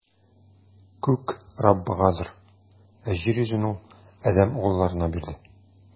Күк - Раббыгадыр, ә җир йөзен Ул адәм угылларына бирде.